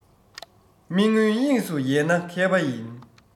མི མངོན དབྱིངས སུ ཡལ ན མཁས པ ཡིན